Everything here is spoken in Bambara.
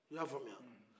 i y'a faamunya